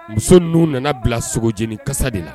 Muso n' nana bila sogo jenikasa de la